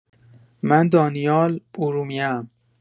من دانیال ارومیه‌ام